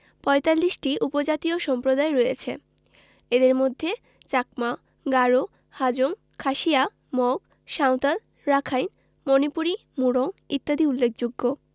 ৪৫টি উপজাতীয় সম্প্রদায় রয়েছে এদের মধ্যে চাকমা গারো হাজং খাসিয়া মগ সাঁওতাল রাখাইন মণিপুরী মুরং ইত্যাদি উল্লেখযোগ্য